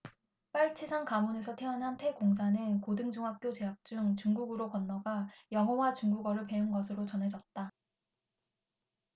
빨치산 가문에서 태어난 태 공사는 고등중학교 재학 중 중국으로 건너가 영어와 중국어를 배운 것으로 전해졌다